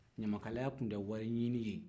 ɲamakalaya tun tɛ wari ɲinin ye